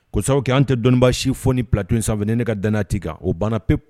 Ko sababuw kɛ an tɛ dɔnnibaa si fɔ ni pati sanfɛ2e ka dananati kan o banna pep